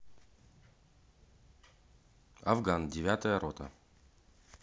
афган девятая рота